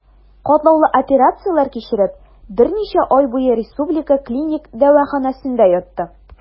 Катлаулы операцияләр кичереп, берничә ай буе Республика клиник дәваханәсендә ятты.